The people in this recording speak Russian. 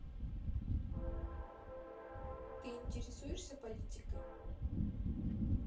ты интересуешься политикой